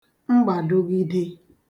m̀gbàdụghịde